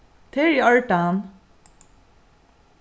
tað er í ordan